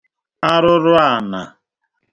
arụrụànà